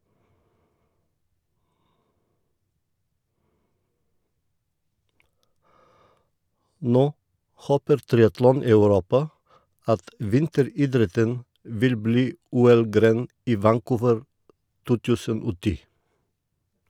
Nå håper triatlon-Europa at vinteridretten vil bli OL-gren i Vancouver 2010.